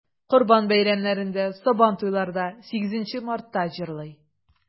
Корбан бәйрәмнәрендә, Сабантуйларда, 8 Мартта җырлый.